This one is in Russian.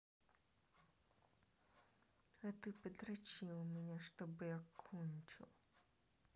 а ты подрочи у меня чтобы я кончил